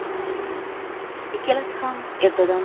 ikkalasi ham ertadan